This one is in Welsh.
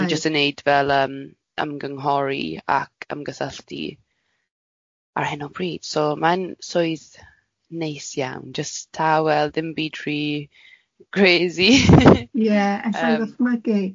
...a dwi jyst yn neud fel yym ymgynghori ac ymgysylltu ar hyn o bryd. So mae'n swydd neis iawn, jyst tawel ddim byd rhy crazy. Ie ella i ddychmygu.